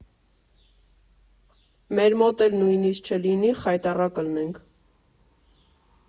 Մեր մոտ էլ նույնից չլինի, խայտառակ ըլնենք։